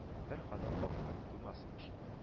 Бер ханым калкынып куймасынмы шунда